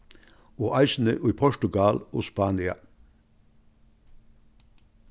og eisini í portugal og spania